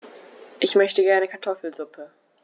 Ich möchte gerne Kartoffelsuppe.